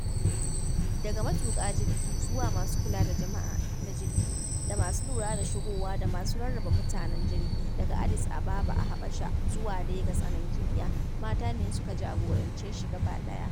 Daga matuƙa jirgin zuwa masu kula da jama'a na jirgin da masu lura da shigowa da masu rarraba mutane, jirgin - daga Addis Ababa a Habasha zuwa Legas a Najeriya - mata ne suka jagorance shi gabaɗaya.